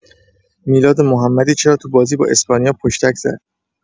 میلاد محمدی چرا تو بازی با اسپانیا پشتک زد؟